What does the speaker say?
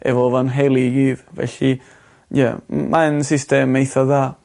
efo fy nheulu i felly ie m- mae yn system eitha dda.